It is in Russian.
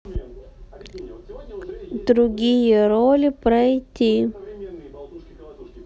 другие роли пройти